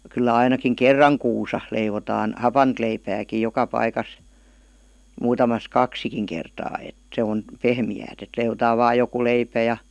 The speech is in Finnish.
kyllä ainakin kerran kuussa leivotaan hapanta leipääkin joka paikassa muutamassa kaksikin kertaa että se on pehmeää että leivotaan vain joku leipä ja